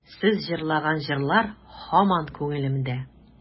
Сез җырлаган җырлар һаман күңелемдә.